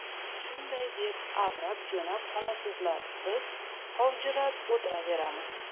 shunday deb avrab jo'nab qolasizlar biz qovjirab o'tiraveramiz